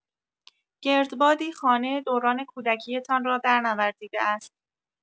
گردبادی خانه دوران کودکی‌تان را درنوردیده است.